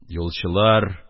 Юлчылар